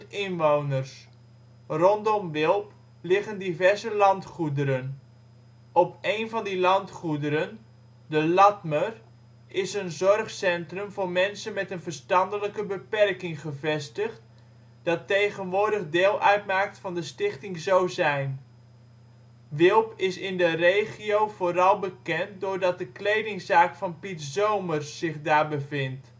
inwoners. Rondom Wilp liggen diverse landgoederen. Op één van die landgoederen, de Lathmer, is een zorgcentrum voor mensen met een verstandelijke beperking gevestigd, dat tegenwoordig deel uitmaakt van de stichting Zozijn. Wilp is in de regio vooral bekend doordat de kledingzaak van Piet Zoomers zich daar bevindt